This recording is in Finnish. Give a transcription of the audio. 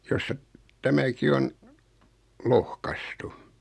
josta tämäkin on lohkaistu